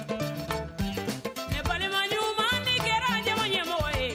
Ne balima ɲuman ni kɛra jama yemɔgɔ ye